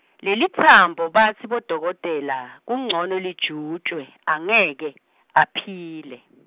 Lelitsambo batsi bodokotela, kuncono lijutjwe, angeke, aphile.